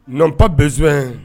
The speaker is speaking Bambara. Ils n'ont pas besoin